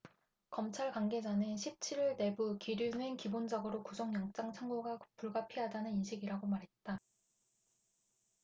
검찰 관계자는 십 칠 일 내부 기류는 기본적으로 구속영장 청구가 불가피하다는 인식이라고 말했다